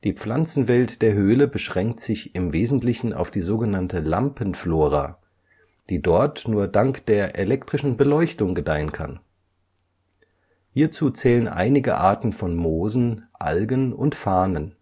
Pflanzenwelt der Höhle beschränkt sich im Wesentlichen auf die sogenannte Lampenflora, die dort nur dank der elektrischen Beleuchtung gedeihen kann. Hierzu zählen einige Arten von Moosen, Algen und Farnen